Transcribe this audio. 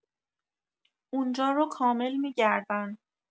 اونجا رو کامل می‌گردن